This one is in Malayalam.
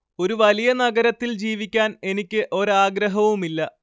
ഒരു വലിയ നഗരത്തിൽ ജീവിക്കാൻ എനിക്ക് ഒരാഗ്രഹവുമില്ല